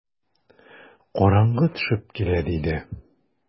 Караңгы төшеп килә, - диде.